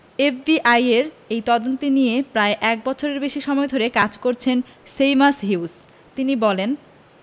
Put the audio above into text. এফবিআইয়ের এই তদন্ত নিয়ে প্রায় এক বছরের বেশি সময় ধরে কাজ করেছেন সেইমাস হিউজ তিনি বলেন